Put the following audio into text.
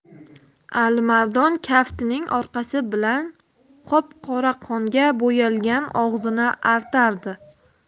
alimardon kaftining orqasi bilan qop qora qonga bo'yalgan og'zini artardi